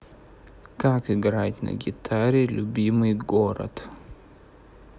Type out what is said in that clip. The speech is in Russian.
как играть на гитаре любимый город